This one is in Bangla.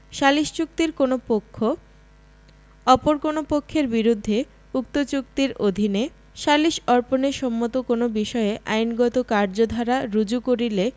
সালিস চুক্তির কোন পক্ষ অপর কোন পক্ষের বিরুদ্ধে উক্ত চুক্তির অধীনৈ সালিস অর্পণে সম্মত কোন বিষয়ে আইনগত কার্যধারা রুজু করিলে